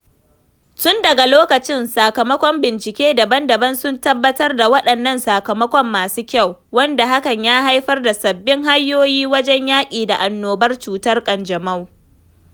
Tun daga lokacin, sakamakon bincike daban-daban sun tabbatar da waɗannan sakamakon masu kyau, wanda hakan ya haifar da sabbin hanyoyi wajen yaƙi da annobar cutar ƙanjamau.